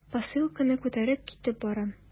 Посылканы күтәреп китеп бара.